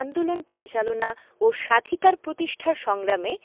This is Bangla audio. আন্দোলন পরিচালনা ও স্বাধিকার প্রতিষ্ঠার সংগ্রামে